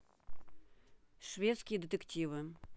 шведские детективы